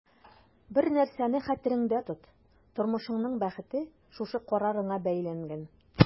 Бер нәрсәне хәтерендә тот: тормышыңның бәхете шушы карарыңа бәйләнгән.